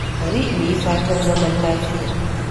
Bari mu yi fatan zaman lafiya.